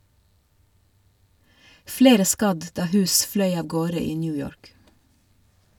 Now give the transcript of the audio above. Flere skadd da hus fløy av gårde i New York.